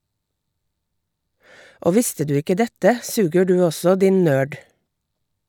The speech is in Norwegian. Og visste du ikke dette, suger du også, din nørd!